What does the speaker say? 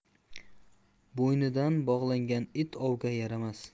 bo'ynidan bog'langan it ovga yaramas